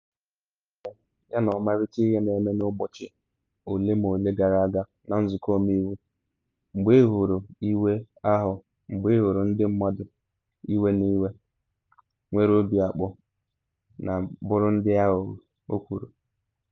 “Otu ihe nwere ike ịme yana ọmarịcha ihe na eme n’ụbọchị ole ma ole gara aga na Nzụkọ Omeiwu, mgbe ị hụrụ iwe ahụ, mgbe ị hụrụ ndị mmadụ iwe na ewe, nwere obi akpọ na bụrụ ndị aghụghọ,” o kwuru.